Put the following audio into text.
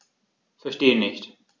Verstehe nicht.